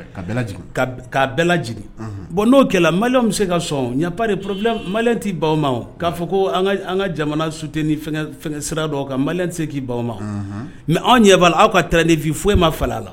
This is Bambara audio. Ka kaa bɛɛj bɔn n'o kɛlɛ mali bɛ se ka sɔn yarire porobi ma t tɛi baw ma k'a fɔ ko an ka jamana sute ni sira dɔn ka ma tɛ k'i baw ma mɛ anw ɲɛba aw ka t nifin foyi e ma fa la